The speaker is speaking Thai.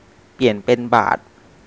เปลี่ยนเป็นบาท